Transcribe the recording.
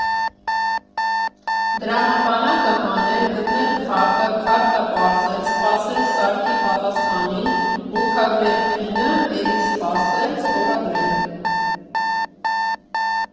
Դրամապանակը հանել, գտնել քարտը, քարտը պարզել, սպասել սարքի պատասխանին, մուտքագրել փինը, էլի սպասել, ստորագրել։